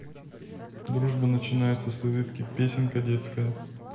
дружба начинается с улыбки песенка детская